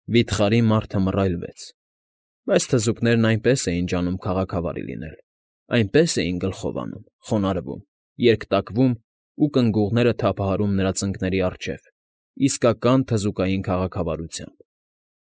Վիթխարի մարդը մռայլվեց, բայց թզուկներն այնպես էին ջանում քաղաքավարի լինել, այնպես էին գլխով անում, խոնարհվում, երկատվում ու կնգուղները թափահարում նրա ծնկների առջև իսկական թզուկային քաղաքավարությամբ,